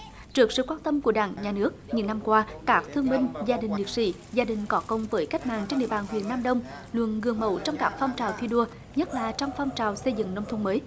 trước sự quan tâm của đảng nhà nước những năm qua các thương binh gia đình liệt sỹ gia đình có công với cách mạng trên địa bàn huyện nam đông luôn gương mẫu trong các phong trào thi đua nhất là trong phong trào xây dựng nông thôn mới